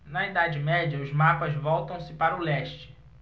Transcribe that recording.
na idade média os mapas voltam-se para o leste